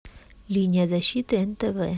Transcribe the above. линия защиты нтв